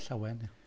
Llawen.